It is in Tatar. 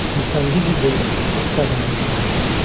Иртәнге җиде, өстәл әзерләнә.